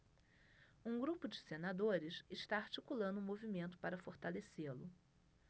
um grupo de senadores está articulando um movimento para fortalecê-lo